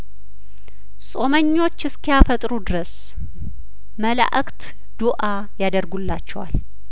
ጾመኞች እስኪያፈጥሩ ድረስ መላእክት ዱአያደርጉላቸዋል